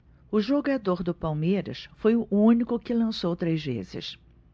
o jogador do palmeiras foi o único que lançou três vezes